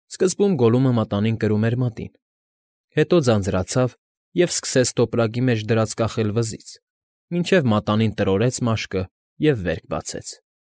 Սկզբում Գոլլումը մատանին կրում էր մատին, հետո ձանձրացավ և սկսեց տոպրակի մեջ դրած կախել վզից, մինչև մատանին տրորտեց մաշկը և վերք բացեց։